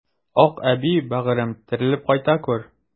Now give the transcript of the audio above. Акъәби, бәгырем, терелеп кайта күр!